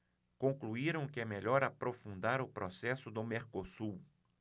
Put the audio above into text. concluíram que é melhor aprofundar o processo do mercosul